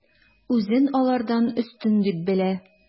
Үзен алардан өстен дип белә.